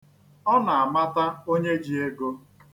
Ọ na-amata onye ji ego.